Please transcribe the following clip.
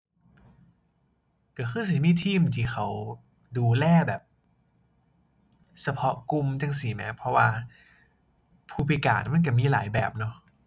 ก็คือสิมีทีมที่เขาดูแลแบบเฉพาะกลุ่มจั่งซี้แหม เพราะว่าผู้พิการมันก็มีหลายแบบเนาะ